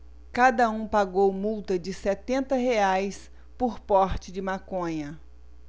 cada um pagou multa de setenta reais por porte de maconha